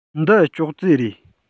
འདི ཅོག ཙེ རེད